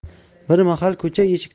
bir mahal ko'cha eshik